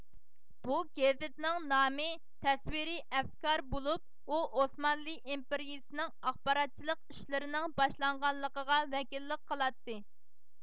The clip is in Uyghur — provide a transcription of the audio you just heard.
بۇ گېزىتنىڭ نامى تەسۋىرىي ئەفكار بولۇپ ئۇ ئوسمانلى ئىمپېرىيىسىنىڭ ئاخباراتچىلىق ئىشلىرىنىڭ باشلانغانلىقىغا ۋەكىللىك قىلاتتى